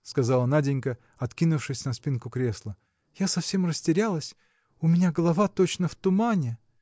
– сказала Наденька, откинувшись на спинку кресла. – Я совсем растерялась. у меня голова точно в тумане.